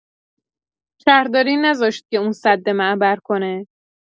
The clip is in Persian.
شهرداری نذاشت که اون سدمعبر کنه